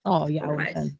O, iawn... chwaith. ...te.